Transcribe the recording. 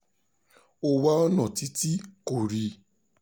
Ó wá ọ̀nà títí kò rí.